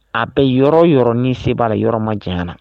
A bɛ yɔrɔ o yɔrɔ n'i se b'a la i yɔrɔ ma janya a la